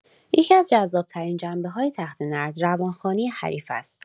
یکی‌از جذاب‌ترین جنبه‌های تخته‌نرد، روان‌خوانی حریف است.